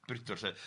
Brydwr lly ia.